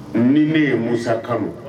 Ni ne ye Musa kanu